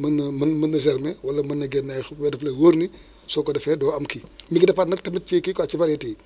mën na mën na germé wala mën na génne ay xob yooyu daf lay wóor ni soo ko defee doo am kii mi ngi dépendre nag tamit ci kii quoi ci variété yi